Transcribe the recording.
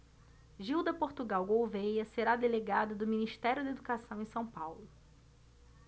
gilda portugal gouvêa será delegada do ministério da educação em são paulo